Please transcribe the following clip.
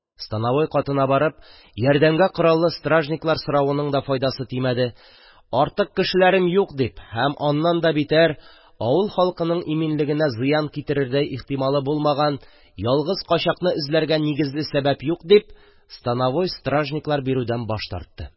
Становой катына барып, ярдәмгә кораллы стражниклар соравының да файдасы тимәде: артык кешеләрем юк дип һәм, аннан да битәр, авыл халкының иминлегенә зыян китерүе ихтимал булмаган ялгыз качакны эзләргә нигезле сәбәп юк дип, становой стражниклар бирүдән баш тартты.